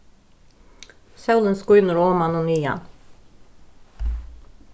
sólin skínur oman og niðan